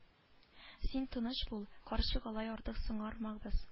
Син тыныч бул карчык алай артык соңгармабыз